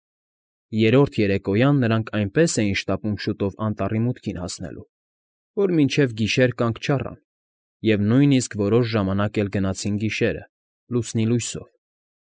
Երրորդ երեկոյան նրանք այնպես էին շտապում շուտով անտառի մուտքին հասնելու, որ մինչև գիշեր կանգ չառան և նույնիսկ որոշ ժամանակ էլ գնացին գիշերը, լուսնի լուսյով։